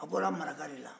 a bɔra maraka de la